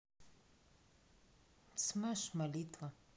смэш молитва